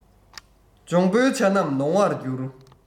འབྱུང པོའི བྱ རྣམས ལོང བར འགྱུར